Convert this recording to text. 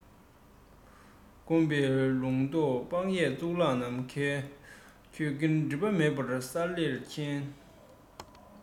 བསྒོམ པས ལུང རྟོགས དཔག ཡས གཙུག ལག ནམ མཁའི ཁྱོན ཀུན སྒྲིབ པ མེད པར གསལ ལེར མཁྱེན